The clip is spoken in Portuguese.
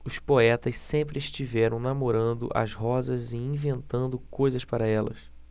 os poetas sempre estiveram namorando as rosas e inventando coisas para elas